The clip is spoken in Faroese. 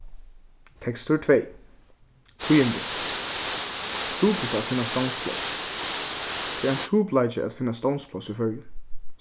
tekstur tvey tíðindi trupult at finna stovnspláss tað er ein trupulleiki at finna stovnspláss í føroyum